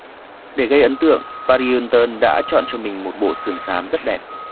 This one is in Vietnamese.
để gây ấn tượng paris hilton đã chọn cho mình một bộ sườn xám rất đẹp